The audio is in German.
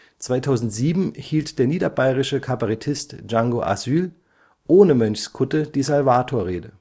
2007 hielt der niederbayerische Kabarettist Django Asül ohne Mönchskutte die Salvatorrede